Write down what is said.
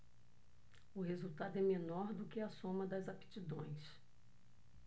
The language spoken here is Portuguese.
o resultado é menor do que a soma das aptidões